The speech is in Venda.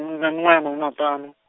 ndi na miṅwaha ya mahumimaṱanu.